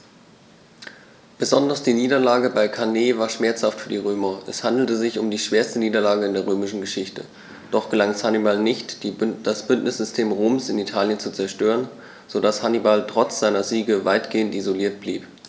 Besonders die Niederlage bei Cannae war schmerzhaft für die Römer: Es handelte sich um die schwerste Niederlage in der römischen Geschichte, doch gelang es Hannibal nicht, das Bündnissystem Roms in Italien zu zerstören, sodass Hannibal trotz seiner Siege weitgehend isoliert blieb.